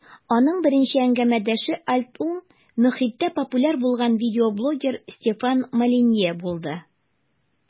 Аның беренче әңгәмәдәше "альт-уң" мохиттә популяр булган видеоблогер Стефан Молинье булды.